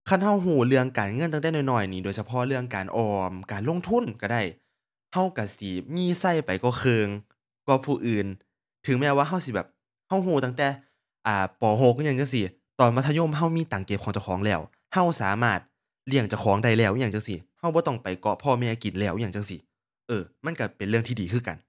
คันเราเราเรื่องการเงินตั้งแต่น้อยน้อยหนิ โดยเฉพาะเรื่องการออม การลงทุนเราได้ เราเราสิมีชัยไปกว่าเรากว่าผู้อื่น ถึงแม้ว่าเราสิแบบเราเราตั้งแต่ อ่า ป. หก รึหยังจั่งซี้ ตอนมัธยมเรามีตังค์เก็บของเจ้าของแล้ว เราสามารถเลี้ยงเจ้าของได้แล้วอิหยังจั่งซี้ เราบ่ต้องไปเกาะพ่อแม่กินแล้วอิหยังจั่งซี้ เอ้อ มันเราเป็นเรื่องที่ดีคือกัน